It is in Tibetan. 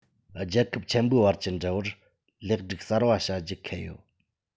རྒྱལ ཁབ ཆེན པོའི བར གྱི འབྲེལ བར ལེགས སྒྲིག གསར པ བྱ རྒྱུ འཁེལ ཡོད